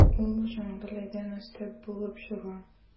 Ул Җангалидән өстен булып чыга.